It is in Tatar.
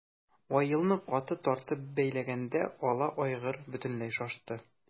Аелны каты тартып бәйләгәндә ала айгыр бөтенләй шашты.